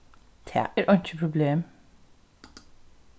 tað er einki problem